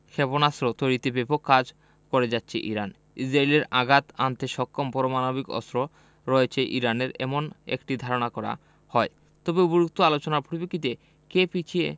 ক্ষেপণাস্ত্র তৈরিতে ব্যাপক কাজ করে যাচ্ছে ইরান ইসরায়েলে আঘাত হানতে সক্ষম পরমাণবিক অস্ত্র রয়েছে ইরানের এমন একটি ধারণা করা হয় তবে উপরোক্ত আলোচনার পরিপ্রেক্ষিতে কে পিছিয়ে